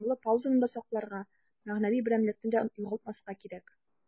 Дәвамлы паузаны да сакларга, мәгънәви берәмлекне дә югалтмаска кирәк.